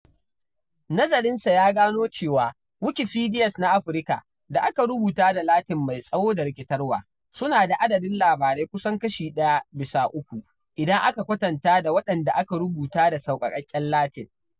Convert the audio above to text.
Nazarin sa ya gano cewa Wikipedias na Afrika da aka rubuta da Latin mai tsawo da rikitarwa suna da adadin labarai kusan kashi ɗaya bisa uku idan aka kwatanta da waɗanda aka rubuta da sauƙaƙƙen Latin.